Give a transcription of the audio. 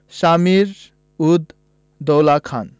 Samir ud Daula Khan